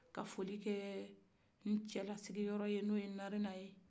ka folikɛ n cɛlasigiyɔrɔ ye n'o ye narena ye